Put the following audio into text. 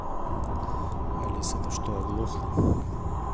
алиса ты что оглохла